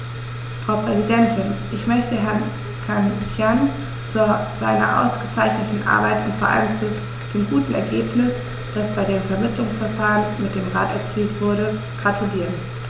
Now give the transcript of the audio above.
Frau Präsidentin, ich möchte Herrn Cancian zu seiner ausgezeichneten Arbeit und vor allem zu dem guten Ergebnis, das bei dem Vermittlungsverfahren mit dem Rat erzielt wurde, gratulieren.